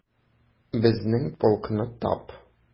Безнең полкны тап...